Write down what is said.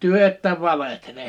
te ette valehtele